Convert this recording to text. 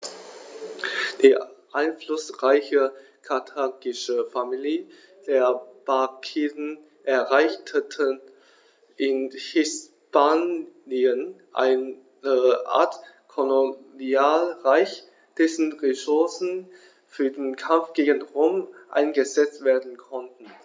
Die einflussreiche karthagische Familie der Barkiden errichtete in Hispanien eine Art Kolonialreich, dessen Ressourcen für den Kampf gegen Rom eingesetzt werden konnten.